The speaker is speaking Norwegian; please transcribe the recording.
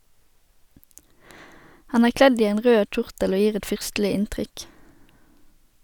Han er kledd i en rød kjortel og gir et fyrstelig inntrykk.